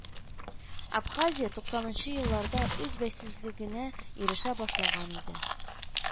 Абхазия туксанынчы елларда үз бәйсезлегенә ирешә башлаган иде